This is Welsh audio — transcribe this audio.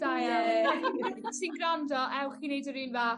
Da iawn. Ie. Os ti'n grando ewch i neud yr un fath...